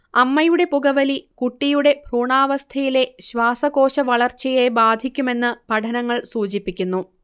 അമ്മയുടെ പുകവലി കുട്ടിയുടെ ഭ്രൂണാവസ്ഥയിലെ ശ്വാസകോശവളർച്ചയെ ബാധിക്കുമെന്ന് പഠനങ്ങൾ സൂചിപ്പിക്കുന്നു